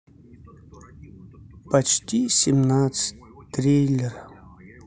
почти семнадцать трейлер